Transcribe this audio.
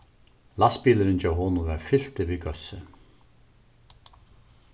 lastbilurin hjá honum var fyltur við góðsi